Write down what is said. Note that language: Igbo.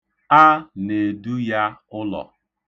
A na-edu ya ụlọ.